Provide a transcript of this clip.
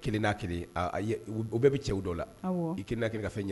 1 n'a 1 a a y o o bɛ bi cɛw dɔw la awɔ i 1 n'a 1 ka fɛn ɲɛ